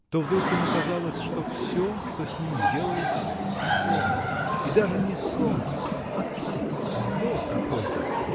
То вдруг ему казалось, что все, что с ним делается, сон, и даже не сон, а так, вздор какой-то